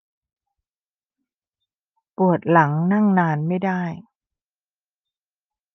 ปวดหลังนั่งนานไม่ได้